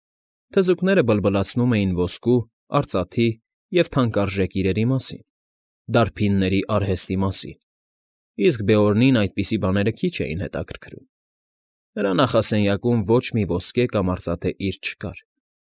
Թզուկները բլբլացնում էին ոսկու, արծաթի և թանկարժեք իրերի մասին, դարբինների արհեստի մասին, իսկ Բեորնին այդպիսի բաները քիչ էին հետաքրքրում. նրա նախասենյակում ոչ մի ոսկե կամ արծաթե իր չկար և։